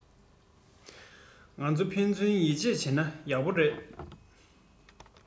ང ཚོ ཕན ཚུན ཡིད ཆེད བྱེད ན ཡག པོ རེད